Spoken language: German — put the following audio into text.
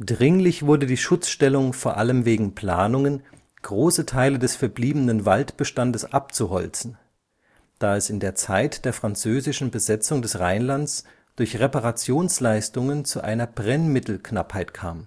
Dringlich wurde die Schutzstellung vor allem wegen Planungen, große Teile des verbliebenen Waldbestandes abzuholzen, da es in der Zeit der französischen Besetzung des Rheinlands durch Reparationsleistungen zu einer Brennmittelknappheit kam.